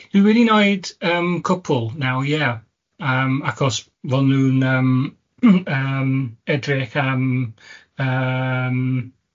Dwi wedi neud cwpwl naw' ie yym achos fod nhw'n edrych am yym